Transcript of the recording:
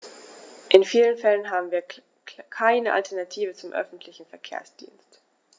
In vielen Fällen haben wir keine Alternative zum öffentlichen Verkehrsdienst.